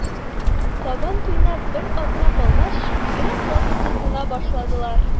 Сабан туена бер атна калгач, бигрәк каты тотына башладылар.